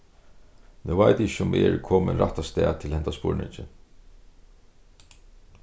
nú veit eg ikki um eg eri komin rætta stað til hendan spurningin